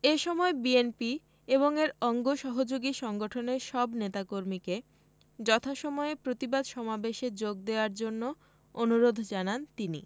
এ সময় বিএনপি এবং এর অঙ্গ সহযোগী সংগঠনের সব নেতাকর্মীকে যথাসময়ে প্রতিবাদ সমাবেশে যোগ দেয়ার জন্য অনুরোধ জানান তিনি